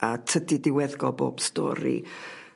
A tydi diweddglo bob stori